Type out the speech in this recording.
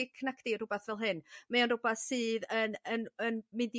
nacdi? R'wbath fel hyn mae o'n r'wbath sydd yn yn yn mynd i